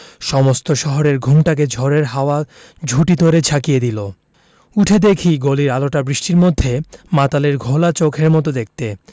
সমস্ত শহরের ঘুমটাকে ঝড়ের হাওয়া ঝুঁটি ধরে ঝাঁকিয়ে দিলে উঠে দেখি গলির আলোটা বৃষ্টির মধ্যে মাতালের ঘোলা চোখের মত দেখতে